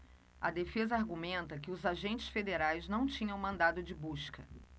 a defesa argumenta que os agentes federais não tinham mandado de busca